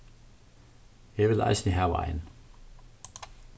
eg vil eisini hava ein